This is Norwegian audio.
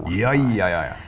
ja ja ja ja.